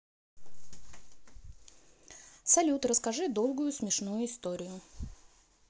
салют расскажи долгую смешную историю